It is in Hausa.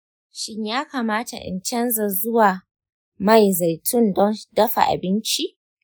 shin ya kamata in canza zuwa mai zaitun don dafa abinci?